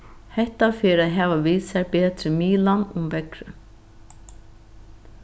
hetta fer at hava við sær betri miðlan um veðrið